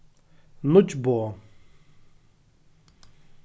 nýggj boð